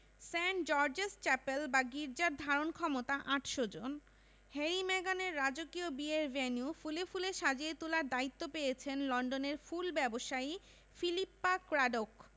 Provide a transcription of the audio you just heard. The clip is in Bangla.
সেন্ট জর্জেস চ্যাপেল বা গির্জার ধারণক্ষমতা ৮০০ জন হ্যারি মেগানের রাজকীয় বিয়ের ভেন্যু ফুলে ফুলে সাজিয়ে তোলার দায়িত্ব পেয়েছেন লন্ডনের ফুল ব্যবসায়ী ফিলিপ্পা ক্র্যাডোক